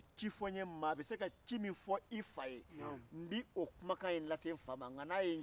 ala ni dimi muɲukojugu kɛna kɛna mun bɛ kɛ musola i kolo de bɛ fin